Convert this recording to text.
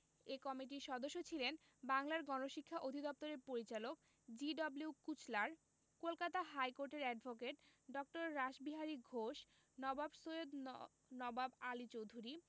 এ কমিটির সদস্য ছিলেন বাংলার গণশিক্ষা অধিদপ্তরের পরিচালক জি.ডব্লিউ কুচলার কলকাতা হাইকোর্টের অ্যাডভোকেট ড. রাসবিহারী ঘোষ নবাব সৈয়দ নওয়াব আলী চৌধুরী